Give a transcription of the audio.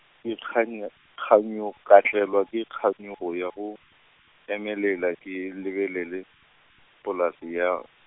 ke kganya- kganyo- ka tlelwa ke kganyogo ya go, emelela ke lebelele, polase ya.